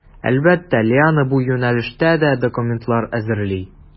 Әлбәттә, Лиана бу юнәлештә дә документлар әзерли.